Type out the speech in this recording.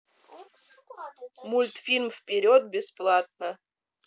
мультфильм вперед бесплатно полностью